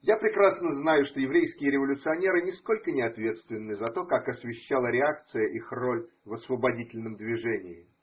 Я прекрасно знаю, что еврейские революционеры нисколько не ответственны за то, как освещала реакция их роль в освободительном движении.